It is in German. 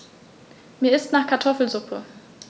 Mir ist nach Kartoffelsuppe.